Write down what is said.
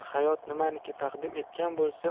hayot nimaniki taqdim etgan bo'lsa